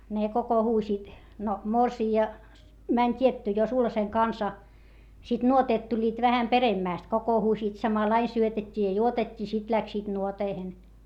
ne kokoontuivat no morsian meni tietty jo sulhasen kanssa sitten nuoteet tulivat vähän peremmästi kokoontuivat samalla lailla syötettiin ja juotettiin sitten lähtivät nuoteihin